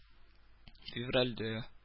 Февральдә